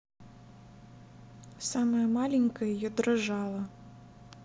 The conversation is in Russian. самая маленькая ее дрожала